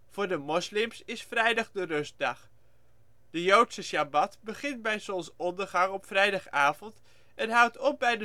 Voor de moslims is vrijdag de rustdag. De joodse sjabbat begint bij zonsondergang op vrijdagavond, en houdt op bij